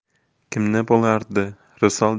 kimni bo'lardi risol